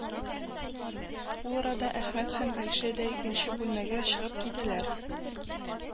Ул арада Әхмәт һәм Гайшә дә икенче бүлмәгә чыгып китәләр